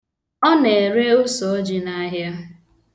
Ọ na-ere osọọjị n'ahịa.